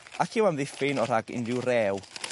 ac i'w am ddiffyn o rhag unrhyw rew.